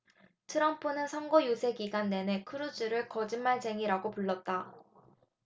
트럼프는 선거 유세 기간 내내 크루즈를 거짓말쟁이라고 불렀다